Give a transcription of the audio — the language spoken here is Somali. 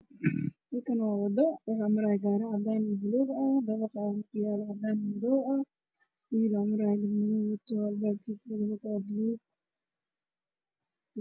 Beesha waxaa maraayo gaari dabaqaleen ah adoon iyo buluug waxaana ka dambeeyay dabaqiidha dheer